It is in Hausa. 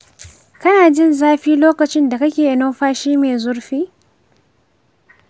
kana jin zafi lokacin da kake numfashi mai zurfi?